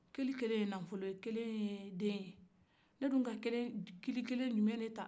kili kelen ye nafɔlo ye kelen ye den ye ne ka kan kilikelen jumɛn de ta